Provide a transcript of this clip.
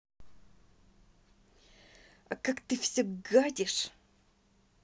а как ты все гадишь